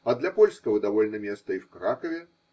а для польского довольно места и в Кракове.